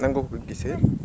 nan nga ko gisee